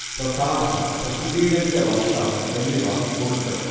പ്രസാധകർ പ്രസിദ്ധീകരിച്ച വർഷം എന്നിവ കൊടുക്കണം